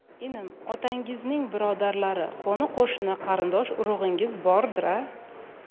inim otangizning birodarlari qo'ni qo'shni qarindosh urug'ingiz bordir a